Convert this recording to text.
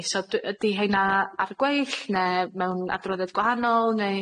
So dw- ydi heina ar y gweill, ne' mewn adroddiad gwahanol, neu?